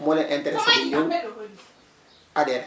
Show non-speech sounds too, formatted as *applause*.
moo leen interessé *crosstalk* ba ñëw adhéré